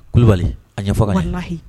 Kulubali a ɲɛfɔ ka ɲɛn